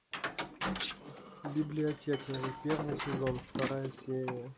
библиотекари первый сезон вторая серия